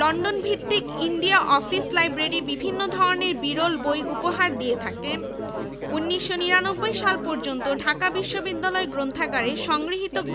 ছাত্র শিক্ষক কেন্দ্রের টিএসসি সাথে একীভূত হয় ফলে একই কমপ্লেক্সে বিভিন্ন ধরনের ক্রীড়া ও সংস্কৃতি